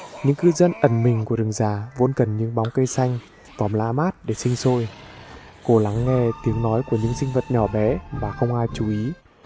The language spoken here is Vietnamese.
những cư dân ẩn mình của rừng già vốn cần những bóng cây xanh vòm lá mát để sinh sôi cô lắng nghe tiếng nói của những sinh vật bé nhỏ không ai chú ý